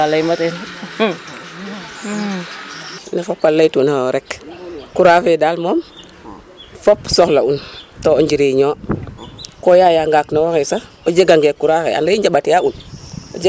* Ne fop a layit'una yoo rek courant fe daal fop soxla'un to njiriñ o koo yaaya ngaak ne wo xaye sax o jegangee courant fe ande i njaɓatee a un .